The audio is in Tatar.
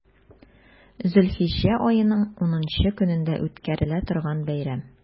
Зөлхиҗҗә аеның унынчы көнендә үткәрелә торган бәйрәм.